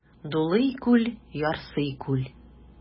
Дулый күл, ярсый күл.